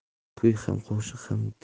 kuy ham qo'shiq